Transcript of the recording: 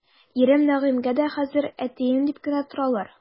Ирем Нәгыймгә дә хәзер әтием дип кенә торалар.